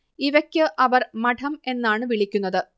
ഇവയ്ക്ക് അവർ മഠം എന്നാണ് വിളിക്കുന്നത്